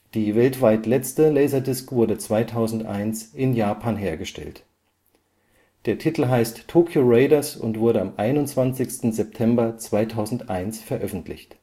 Die weltweit letzte LaserDisc wurde 2001 in Japan hergestellt. Der Titel heißt „ Tokyo Raiders “und wurde am 21. September 2001 veröffentlicht. Die